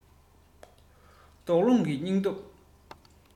དོགས སློང གི སྙིང སྟོབས